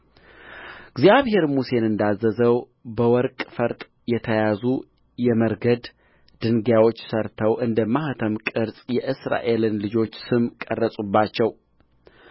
እግዚአብሔርም ሙሴን እንዳዘዘው በወርቅ ፈርጥ የተያዙ የመረግድ ድንጋዮች ሠርተው እንደ ማኅተም ቅርጽ የእስራኤልን ልጆች ስም ቀረጹባቸው